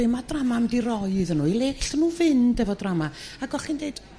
be' ma' drama 'n mynd i roi iddyn nhw i le g'llen nhw fynd efo drama ag o' chi'n did